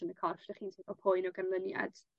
yn y corff 'dych chi'n sw- y poen o ganlyniad